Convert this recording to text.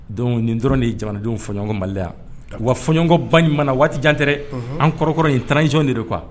Don nin dɔrɔn de ye jamanadenw fɔɲɔgɔnɔn maliya wa fɔɲɔgɔnɔnbamana na waati jan tɛɛrɛ an kɔrɔkɔrɔ in transicɔn de don kuwa